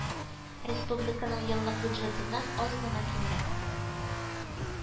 Республиканың еллык бюджетыннан аз гына кимрәк